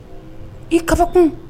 I kabakun